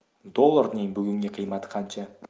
dollar ning bugungi qiymati qancha